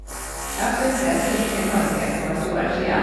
Jeg flyttet hit til Norge for to år sia.